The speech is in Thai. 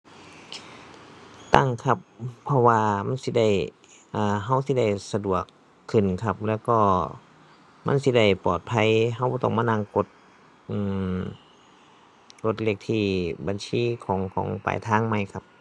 ตั้งครับ เพราะว่ามันสิได้ อ่า เราสิได้สะดวกขึ้นครับ แล้วก็มันสิได้ปลอดภัย เราบ่ต้องมานั่งกด อืม กดเลขที่บัญชีของ ของปลายทางใหม่ครับ